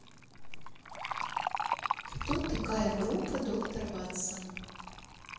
кто такая рок группа доктор ватсон